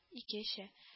Ике эчә